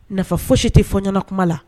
Nafa fo si tɛ fɔ ɲɔgɔn kuma la